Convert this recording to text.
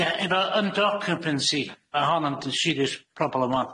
Ie efo 'under occupancy' ma' honno'n siriys problym yma.